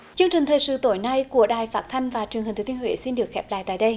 chương trình thời sự tối nay của đài phát thanh và truyền hình thừa thiên huế xin được khép lại tại đây